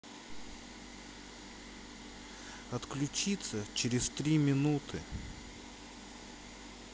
отключиться через три минуты